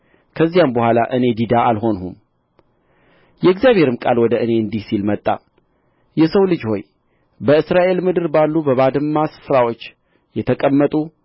ከዚያም በኋላ እኔ ዲዳ አልሆንሁም የእግዚአብሔርም ቃል ወደ እኔ እንዲህ ሲል መጣ የሰው ልጅ ሆይ በእስራኤል ምድር ባሉ በባድማ ስፍራዎች የተቀመጡ